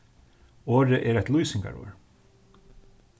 orðið er eitt lýsingarorð